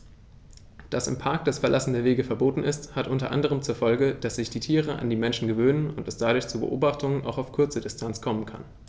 Dass im Park das Verlassen der Wege verboten ist, hat unter anderem zur Folge, dass sich die Tiere an die Menschen gewöhnen und es dadurch zu Beobachtungen auch auf kurze Distanz kommen kann.